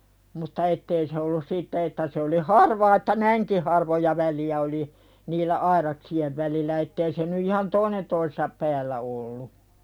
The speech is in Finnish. mutta että ei se ollut siitä että se oli harvaa että näinkin harvoja välejä oli niillä aidaksien välillä että ei se nyt ihan toinen toisensa päällä ollut